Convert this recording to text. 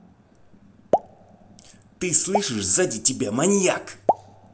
ты слышишь сзади тебя маньяк